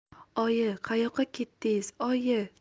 oyi qayoqqa ketdidz oyi